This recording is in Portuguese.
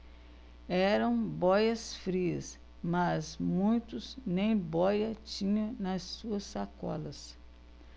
eram bóias-frias mas muitos nem bóia tinham nas suas sacolas